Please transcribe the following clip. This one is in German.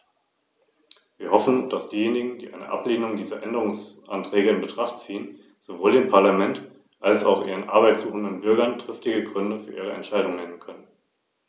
Die Armut in Wales nimmt weiter zu, wobei sie seit 1997 besonders stark ansteigt.